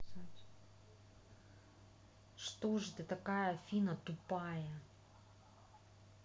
что же ты такая афина тупая